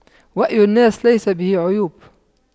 وأي الناس ليس به عيوب